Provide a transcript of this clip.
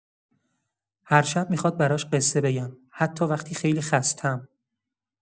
هر شب می‌خواد براش قصه بگم، حتی وقتی خیلی خسته‌م.